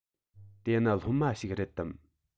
དེ ནི སློབ མ ཞིག རེད དམ